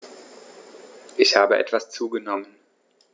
Ich habe etwas zugenommen